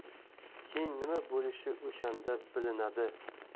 keyin nima bo'lishi o'shanda bilinadi